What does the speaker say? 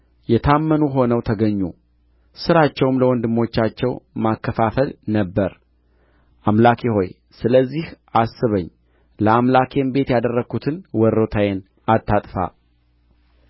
የታመኑ ሆነው ተገኙ ሥራቸውም ለወንድሞቻቸው ማከፋፈል ነበረ አምላኬ ሆይ ስለዚህ አስበኝ ለአምላኬም ቤት ያደረግሁትን ወረታዬን አታጥፋ